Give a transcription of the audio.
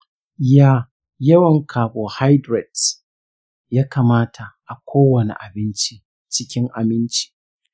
ya yawan carbohydrates yakamata a kowani a abinci cikin aminci?